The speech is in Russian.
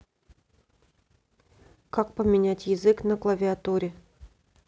как поменять язык на клавиатуре